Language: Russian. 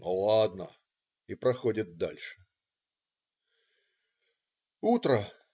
"Ну, ладно",- и проходят дальше. ... Утро.